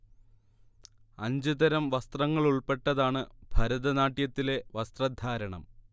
അഞ്ച് തരം വസ്ത്രങ്ങൾ ഉൾപ്പെട്ടതാണ് ഭരതനാട്യത്തിന്റെ വസ്ത്രധാരണം